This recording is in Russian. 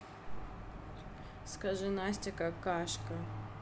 скажи настя какашка